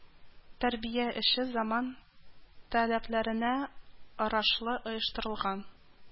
Тәрбия эше заман таләпләренә арашлы оештырылган